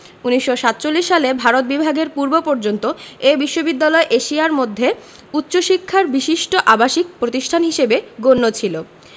১৯৪৭ সালে ভারত বিভাগের পূর্বপর্যন্ত এ বিশ্ববিদ্যালয় এশিয়ার মধ্যে উচ্চশিক্ষার বিশিষ্ট আবাসিক প্রতিষ্ঠান হিসেবে গণ্য ছিল